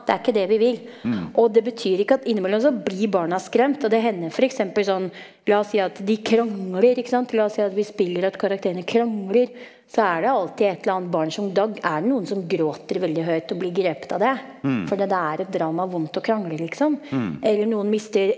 det er ikke det vi vil, og det betyr ikke at innimellom så blir barna skremt, og det hender f.eks. sånn la oss si at de krangler ikke sant, la oss si at vi spiller at karakterene krangler så er det alltid et eller annet barn som da er det noen som gråter veldig høyt og blir grepet av det fordi det er et drama, vondt å krangle liksom eller noen mister.